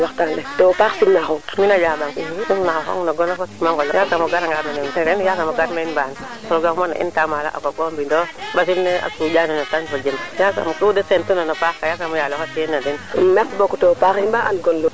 ` merci beaucoup faley fe mosa lool lool i nga a aussi a ɗinga le nuun ceq ne mosa lool a mosa machaala oxu rokid na kam fe sax o yaaw o yaawin dal a refa ka mos na lool cono fe ando naye nuun way njankote an kam fe a doya waar lool lool nuun manam groupement le nuun a jega xa adwan na nuun wala nuun ndef mbiya nu qoox nuun wala projet yo